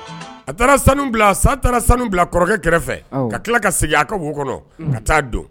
A taara sanu taara sanu bila kɔrɔkɛ kɛrɛfɛ ka tila ka segin a ka wo kɔnɔ ka taa don